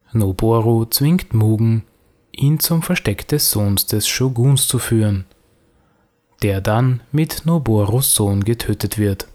Noboru zwingt Mugen, ihn zum Versteck des Sohns des Shōguns zu führen, der dann von Noborus Sohn getötet wird